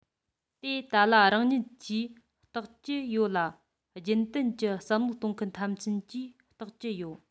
དེ ཏཱ ལ རང ཉིད ཀྱིས རྟོགས ཀྱི ཡོད ལ རྒྱུན གཏན གྱི བསམ བློ གཏོང མཁན ཐམས ཅད ཀྱིས རྟོགས ཀྱི ཡོད